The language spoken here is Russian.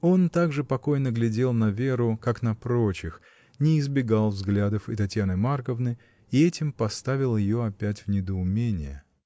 Он так же покойно глядел на Веру, как на прочих, не избегал взглядов и Татьяны Марковны, и этим поставил ее опять в недоумение.